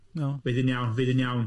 Fydd hi'n iawn, fydd hi'n iawn.